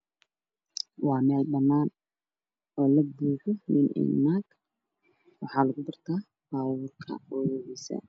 Waa meel banaan oo ciid ah oo bacad waxaa joogo dad fara badan oo iskugu jira dhiman iyo naago iyo ilmo